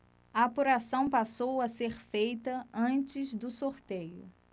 a apuração passou a ser feita antes do sorteio